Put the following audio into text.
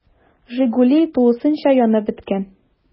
“жигули” тулысынча янып беткән.